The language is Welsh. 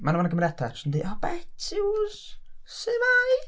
Ma' 'na ma' 'na gymeriadau sy'n deud "O Bet Huws, su'mai?"